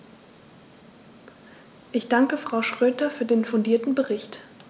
Ich danke Frau Schroedter für den fundierten Bericht.